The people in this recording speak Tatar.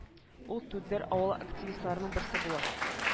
Ул түнтәр авылы активистларының берсе була